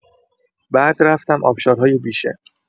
بعد رفتم آبشارهای بیشه.